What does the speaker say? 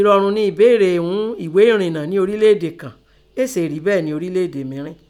Ẹ̀rọ̀rùn nẹ èbéèrè ún èghé ẹ̀rìnnà nẹ ọrílẹ̀ èdè kàn, é sèè rí bẹ́ẹ̀ nẹ́ ọrílẹ̀ èdè mìírìn.